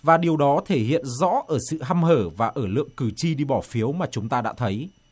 và điều đó thể hiện rõ ở sự hăm hở và ở lượng cử tri đi bỏ phiếu mà chúng ta đã thấy